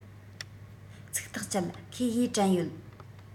ཚིག ཐག བཅད ཁོས ཡས དྲན ཡོད